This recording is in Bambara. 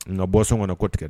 Nga boisson ka na kɔtigɛ dɛ?